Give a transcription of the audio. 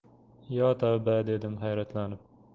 yo tavba dedim hayratlanib